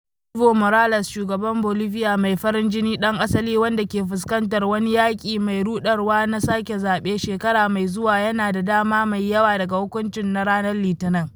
Evo Morales, shugaban Bolivia mai farin jini ɗan asali - wanda ke fuskantar wani yaƙi mai ruɗarwa na sake zaɓe shekara mai zuwa yana da dama mai yawa daga hukuncin na ranar Litinin.